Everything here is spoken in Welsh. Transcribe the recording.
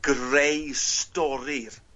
greu stori'r